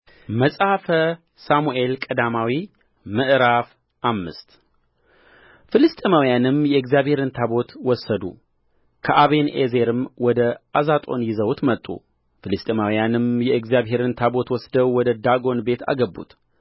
መጽሐፈ ሳሙኤል ቀዳማዊ ምዕራፍ አምስት ፍልስጥኤማውያንም የእግዚአብሔርን ታቦት ወሰዱ ከአቤንኤዘርም ወደ አዛጦን ይዘውት መጡ ፍልስጥኤማውያንም የእግዚአብሔርን ታቦት ወስደው ወደ ዳጎን ቤት አገቡት